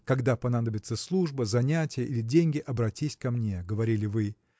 Когда понадобится служба, занятия или деньги, обратись ко мне! – говорили вы.